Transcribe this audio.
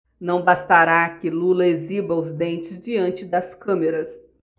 não bastará que lula exiba os dentes diante das câmeras